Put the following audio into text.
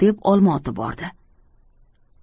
deb olma otib bordi